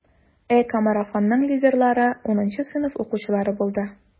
ЭКОмарафонның лидерлары 10 сыйныф укучылары булды.